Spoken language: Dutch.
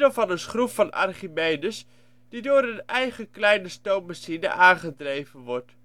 van een schroef van Archimedes, die door een eigen kleine stoommachine aangedreven wordt